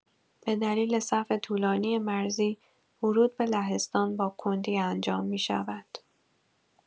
بدلیل صف طولانی مرزی، ورود به لهستان با کندی انجام می‌شود.